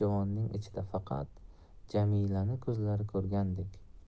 juvonning ichida faqat jamilani ko'zlari ko'rgandek